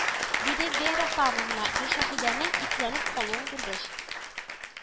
Диде вера павловна, гөлшәһидәнең икеләнеп калуын күргәч